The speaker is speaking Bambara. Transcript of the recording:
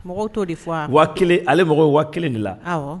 Mɔgɔw de ale mɔgɔ waa kelen de la